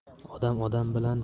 odam odam bilan